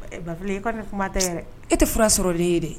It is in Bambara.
Bafile e kɔnɛ kuma tɛ yɛrɛ, e tɛ fura sɔrɔ ne ye dɛ